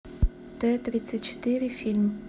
т тридцать четыре фильм